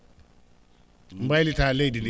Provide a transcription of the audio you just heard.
mbaylitaa leydi ndii